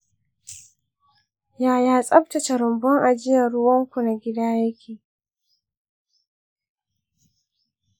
yaya tsabtace rumbun ajiye ruwan ku na gida yake?